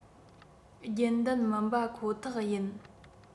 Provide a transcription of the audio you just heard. རྒྱུན ལྡན མིན པ ཁོ ཐག ཡིན